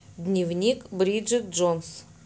дневник бриджит джонс